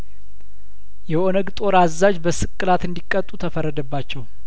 የኦነግ ጦር አዛዥ በስቅላት እንዲ ቀጡ ተፈረደባቸው